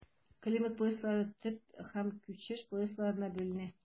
Климат пояслары төп һәм күчеш поясларына бүленә.